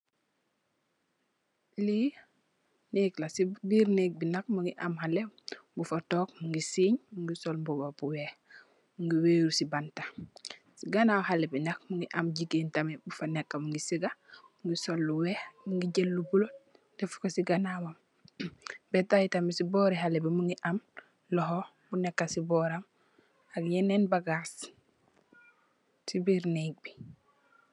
Lii nekla si birr nekbi nak mungi am haleh bufa tok mungi siny mungi sol mbuba bu wekh mungi weru si banta si ganaw halehbi nak mungi am gigeen tamit bufa neka mungi sega mungi sol lu wekh mungi jel lu bulo deffko si ganawam betey tamit si ganaw halehbi mungi am loho bu neka si boram ak yenen bagass si birr nekbi.